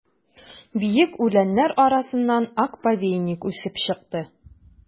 Биек үләннәр арасыннан ак повейник үсеп чыкты.